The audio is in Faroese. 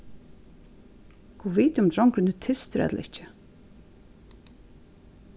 gud viti um drongurin er tystur ella ikki